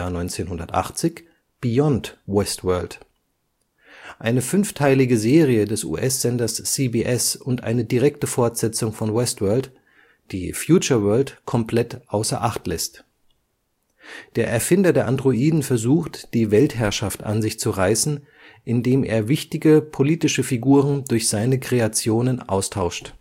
1980 - Beyond Westworld Eine fünfteilige Serie des US-Senders CBS und eine direkte Fortsetzung von Westworld, die Futureworld komplett außer Acht lässt. Der Erfinder der Androiden versucht die Weltherrschaft an sich zu reißen, indem er wichtige politische Figuren durch seine Kreationen austauscht